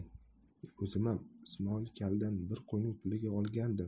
o'zimam ismoil kaldan bir qo'yning puliga olgandim